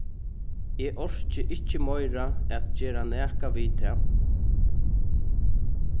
eg orki ikki meira at gera nakað við tað